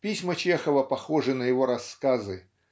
письма Чехова похожи на его рассказы